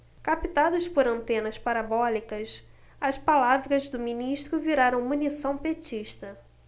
captadas por antenas parabólicas as palavras do ministro viraram munição petista